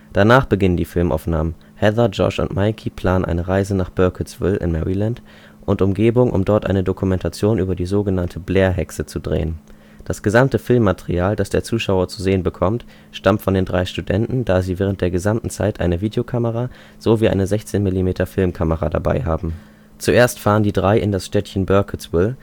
Danach beginnen die Filmaufnahmen: Heather, Josh und Mike planen eine Reise nach Burkittsville (Maryland) und Umgebung, um dort eine Dokumentation über die so genannte Blair-Hexe zu drehen. Das gesamte Filmmaterial, das der Zuschauer zu sehen bekommt, stammt von den drei Studenten, da sie während der gesamten Zeit eine Videokamera sowie eine 16-mm-Filmkamera dabeihaben. Zuerst fahren die drei in das Städtchen Burkittsville